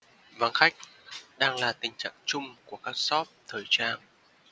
vắng khách đang là tình trạng trung của các shop thời trang